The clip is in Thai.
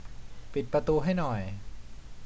ปิดประตูให้หน่อย